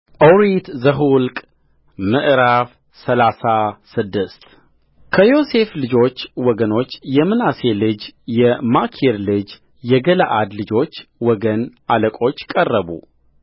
ኦሪት ዘኍልቍ ምዕራፍ ሰላሳ ስድስት ከዮሴፍ ልጆች ወገኖች የምናሴ ልጅ የማኪር ልጅ የገለዓድ ልጆች ወገን አለቆች ቀረቡ